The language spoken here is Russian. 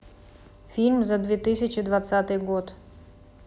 фильм за две тысячи двадцатый год